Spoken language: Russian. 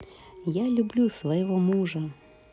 я люблю своего мужа